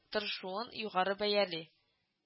Тырышуын югары бәяли